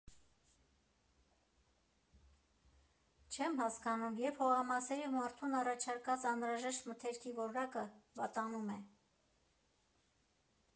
Չեմ հասկանում, երբ հողամասերի՝ մարդուն առաջարկած անհրաժեշտ մթերքի որակը վատանում է։